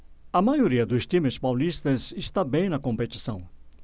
a maioria dos times paulistas está bem na competição